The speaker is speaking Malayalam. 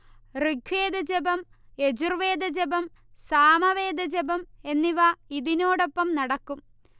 ഋഗ്വേദജപം, യജൂർവേദ ജപം, സാമവേദ ജപം എന്നിവ ഇതിനോടൊപ്പം നടക്കും